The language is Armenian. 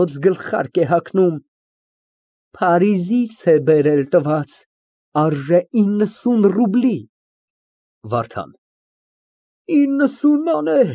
Այդ ինչ տեսակի մարդիկ են, արքայական եղանակով են խոսում, ուրիշներին «դու», իսկ իրենց մասին «մենք»։